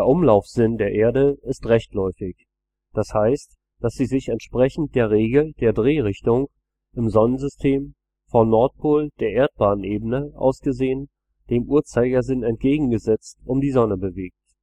Umlaufsinn der Erde ist rechtläufig, das heißt, dass sie sich entsprechend der Regel der Drehrichtung im Sonnensystem vom Nordpol der Erdbahnebene aus gesehen dem Uhrzeigersinn entgegengesetzt um die Sonne bewegt